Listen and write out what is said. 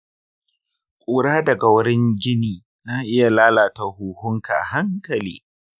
ƙura daga wurin gini na iya lalata huhunka a hankali.